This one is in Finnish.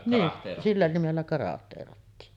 niin sillä nimellä karahteerattiin